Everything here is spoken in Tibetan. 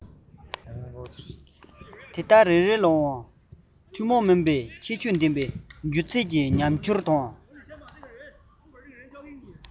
དེ དག རེ རེ ལའང ཐུན མོང མིན པའི ཁྱད ཆོས ལྡན པའི སྒྱུ རྩལ གྱི ཉམས འགྱུར དང